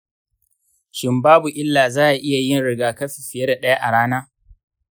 shin babu illa za'a iya yin rigakafi fiye da ɗaya a rana?